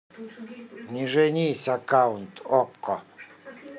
не женись аккаунт okko